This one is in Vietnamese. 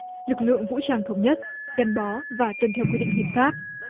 lực lượng vũ trang thống nhất gắn bó và tuân theo quy định hiến pháp